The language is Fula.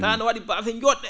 tawaa no wa?i baafe njoo??e